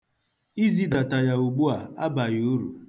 Izidata ya ugbua abaghị uru.